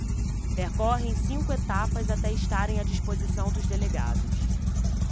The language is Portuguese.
percorrem cinco etapas até estarem à disposição dos delegados